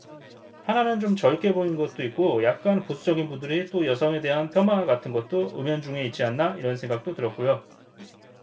하나는 좀 젊게 보인 것도 있고 약간 보수적인 분들이 또 여성에 대한 폄하 같은 것도 은연중에 있지 않나 이런 생각도 들었고요